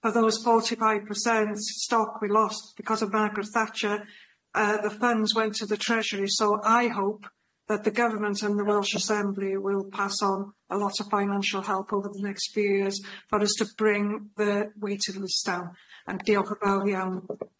for those forty five percent stock we lost because of Margaret Thatcher, err the funds went to the treasury, so I hope that the government and the Welsh Assembly will pass on a lot of financial help over the next few years for us to bring the weighted list down, and diolch yn fawr iawn.